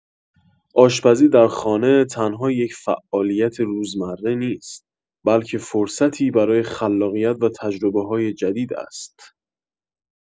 آشپزی در خانه تنها یک فعالیت روزمره نیست، بلکه فرصتی برای خلاقیت و تجربه‌های جدید است.